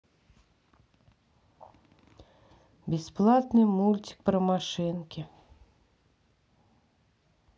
бесплатный мультик про машинки